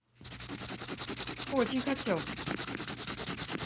очень хотел